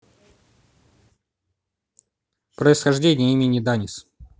происхождение имени данис